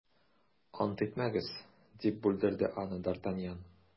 - ант итмәгез, - дип бүлдерде аны д’артаньян.